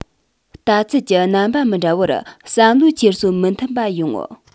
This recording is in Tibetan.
ལྟ ཚུལ གྱི རྣམ པ མི འདྲ བར བསམ བློའི འཁྱེར སོ མི མཐུན པ ཡོང